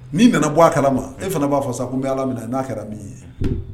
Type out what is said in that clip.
N'i nana bɔ a kalama , e fana b'a fɔ sa n bɛ allah n'a kɛra min ye.